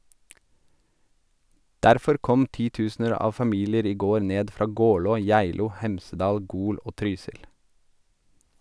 Derfor kom titusener av familier i går ned fra Gålå, Geilo, Hemsedal, Gol og Trysil.